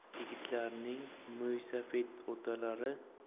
yigitlarning mo'ysafid otalari